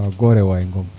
waaw goore waay Ngom